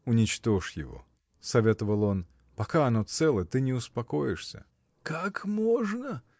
— Уничтожь его, — советовал он, — пока оно цело, ты не успокоишься. — Как можно!